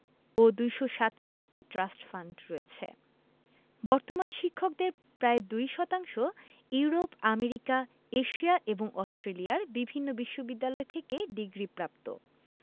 ও ২৪৭টি trust fund রয়েছে বর্তমান শিক্ষকদের প্রায় দুই তৃতীয়াংশ ইউরোপ আমেরিকা এশিয়া এবং অস্ট্রেলিয়ার বিভিন্ন বিশ্ববিদ্যালয় থেকে ডিগ্রিপ্রাপ্ত